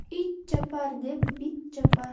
it chopar deb bit chopar